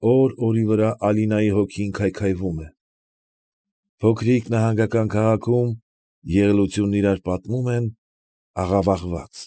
Օր֊օրի վրա Ալինայի հոգին քայքայվում է… Փոքրիկ նահանգական քաղաքում, եղելությունն իրարու պատմում են աղավաղված։